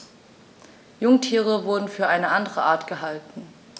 Jungtiere wurden für eine andere Art gehalten.